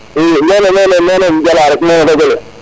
i mene im jala mene radio le